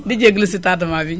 di jégalu si tardamaa bi